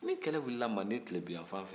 nin kɛlɛ wulila manden tilebinyanfan fɛ